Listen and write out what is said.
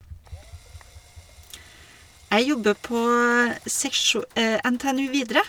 Jeg jobber på seksjo NTNU Videre.